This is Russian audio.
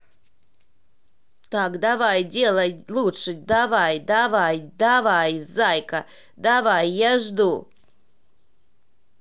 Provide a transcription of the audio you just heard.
так давай делай лучше давай давай давай зайка давай я жду